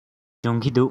སྦྱོང གི འདུག